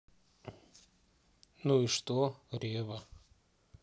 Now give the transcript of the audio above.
ну и что ревва